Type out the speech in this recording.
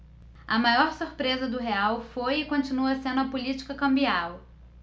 a maior surpresa do real foi e continua sendo a política cambial